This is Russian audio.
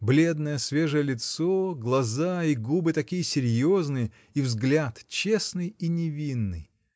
Бледное, свежее лицо, глаза и губы такие серьезные, и взгляд честный и невинный.